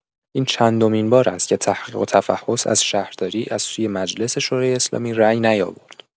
این چندمین بار است که تحقیق و تفحص از شهرداری از سوی مجلس شورای اسلامی رای نیاورد.